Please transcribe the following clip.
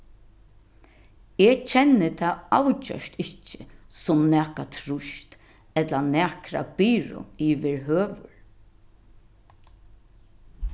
eg kenni tað avgjørt ikki sum nakað trýst ella nakra byrðu yvirhøvur